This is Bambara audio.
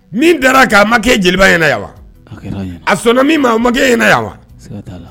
Min taara k' a makɛ e jeliba ɲɛna yan wa a sɔnna min ma a ma ɲɛna yan wa